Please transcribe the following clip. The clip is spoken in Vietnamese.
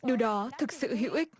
điều đó thực sự hữu ích